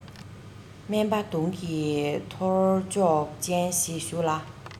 སྨན པ དུང གི ཐོར ཅོག ཅན ཞེས ཞུ ལ